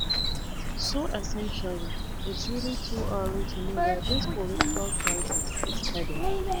So essentially, it’s really too early to know where this political crisis is headed.